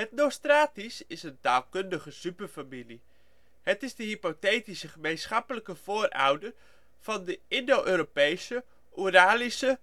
Nostratisch is een taalkundige superfamilie. Het is de hypothetische gemeenschappelijke voorouder van de Indo-Europese, Oeralische